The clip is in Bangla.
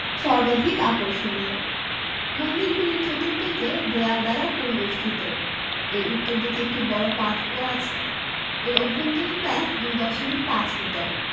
সর্বাধিক আকর্ষণীয় মন্দিরগুলির চতুর্দিকে দেয়াল দ্বারা পরিবেষ্টিত এর উত্তর দিকে একটি বড় পাতকূয়া আছে এর অভ্যন্তরীণ ব্যাস ২ দশমিক ৫ মিটার